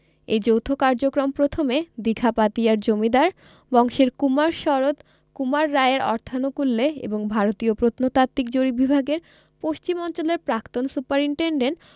এ যৌথ কার্যক্রম প্রথমে দিঘাপতিয়ার জমিদার বংশের কুমার শরৎ কুমার রায় এর অর্থানুকূল্যে এবং ভারতীয় প্রত্নতাত্ত্বিক জরিপ বিভাগের পশ্চিম অঞ্চলের প্রাক্তন সুপারিনটেনডেন্ট